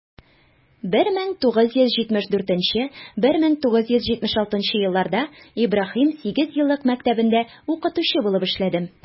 1974 - 1976 елларда ибраһим сигезьеллык мәктәбендә укытучы булып эшләдем.